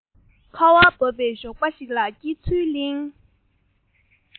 ཁ བ བབས པའི ཞོགས པ ཞིག ལ སྐྱེ ཚུལ གླེང